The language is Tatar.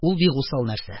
Ул бик усал нәрсә: